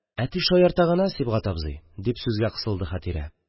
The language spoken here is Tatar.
– әти шаярта гына, сибгать абзый, – дип сүзгә кысылды хәтирә.